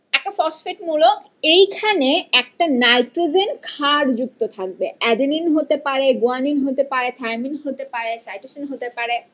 একটা ফসফেট মুলক এইখানে একটা নাইট্রোজেন ক্ষার যুক্ত থাকবে এডমিন হতে পারে গুয়ানিন হতে পারে থায়ামিন হতে পারে সাইটোসিন হতে পারে